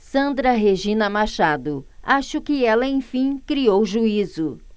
sandra regina machado acho que ela enfim criou juízo